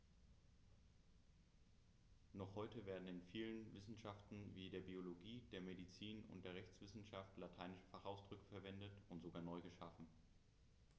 Noch heute werden in vielen Wissenschaften wie der Biologie, der Medizin und der Rechtswissenschaft lateinische Fachausdrücke verwendet und sogar neu geschaffen.